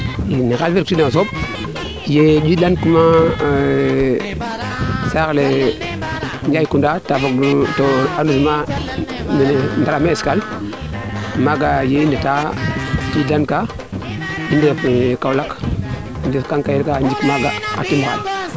`i ne xaal fe rok tiid na o sooɓ ye njind laan kuuma saax el Ngaykounda ta fog no arrondissment men ngaraf Escale maaga ye i ndeta njind laan ka i ndefoyo Kaolack jeg kankeyi kaa